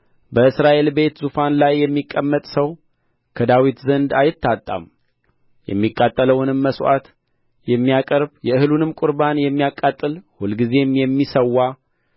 በእስራኤል ቤት ዙፋን ላይ የሚቀመጥ ሰው ከዳዊት ዘንድ አይታጣም የሚቃጠለውንም መሥዋዕት የሚያቀርብ የእህሉንም ቍርባን የሚያቃጥል ሁልጊዜም የሚሠዋ